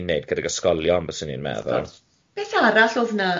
wneud gydag ysgolion fyswn i'n meddwl wrth gwrs, beth arall o'dd 'na